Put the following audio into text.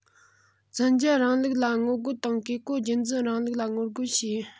བཙན རྒྱལ རིང ལུགས ལ ངོ རྒོལ དང བཀས བཀོད རྒྱུད འཛིན རིང ལུགས ལ ངོ རྒོལ བྱེད